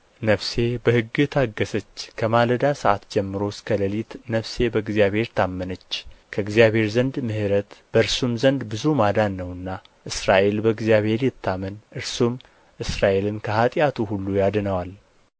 ነፍሴ በሕግህ ታገሠች ከማለዳው ሰዓት ጀምሮ እስከ ሌሊት ነፍሴ በእግዚአብሔር ታመነች ከእግዚአብሔር ዘንድ ምሕረት በእርሱም ዘንድ ብዙ ማዳን ነውና እስራኤል በእግዚአብሔር ይታመን እርሱም እስራኤልን ከኃጢአቱ ሁሉ ያድነዋል